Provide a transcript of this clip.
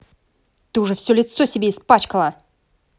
ты уже все лицо себе испачкала